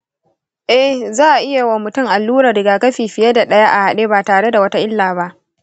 eh, za a iya yi wa mutum alluran rigakafi fiye da ɗaya a haɗe ba tare da wata illa ba.